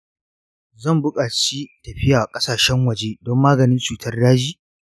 zan bukaci tafiya ƙasashen waje domin maganin cutar daji?